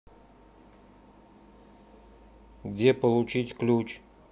где получить ключ